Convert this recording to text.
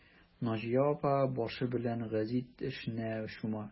Наҗия апа башы белән гәзит эшенә чума.